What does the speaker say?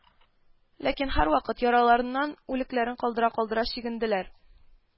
Ләкин һәрвакыт яралыларыннан, үлекләрен калдыра-калдыра чигенделәр